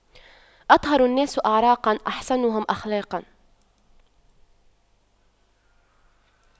أطهر الناس أعراقاً أحسنهم أخلاقاً